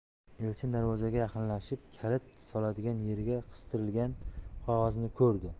elchin darvozaga yaqinlashib kalit soladigan yerga qistirilgan qog'ozni ko'rdi